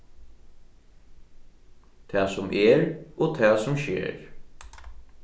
tað sum er og tað sum sker